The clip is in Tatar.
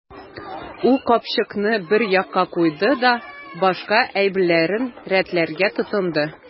Ул капчыкны бер якка куйды да башка әйберләрен рәтләргә тотынды.